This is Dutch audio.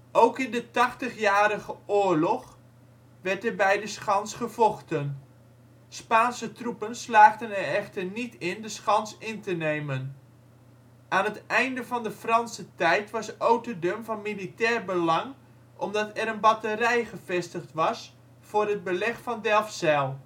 Ook in de Tachtigjarige Oorlog werd er bij de schans gevochten. Spaanse troepen slaagden er echter niet in de schans in te nemen. Aan het einde van de Franse tijd was Oterdum van militair belang omdat er een batterij gevestigd was voor het beleg van Delfzijl